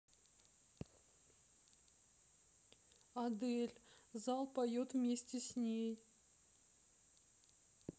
адель зал поет вместе с ней